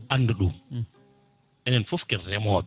andu ɗum enen foof ken remoɓe